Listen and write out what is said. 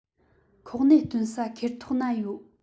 ཁོག ནད སྟོན ས ཁེར ཐོག ན ཡོད